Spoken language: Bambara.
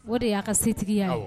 O de y'a ka setigiya ye